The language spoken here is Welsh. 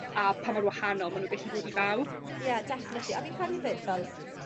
a pa mor wahanol ma' n'w gyllu bod i bawb. Ie definitely a fi'n credu 'fyd fel